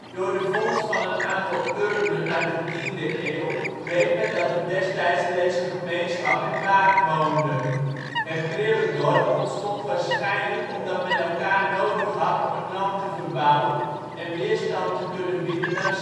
Door de vondst van een aantal urnen uit de 10e eeuw weet men dat er destijds reeds een gemeenschap in Baak woonde. Het prille dorp ontstond waarschijnlijk omdat men elkaar nodig had om het land te verbouwen en weerstand te kunnen bieden aan